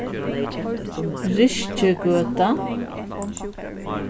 ryskigøta